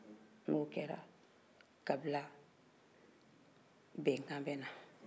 ni o kɛra kabila bɛnkan bɛ na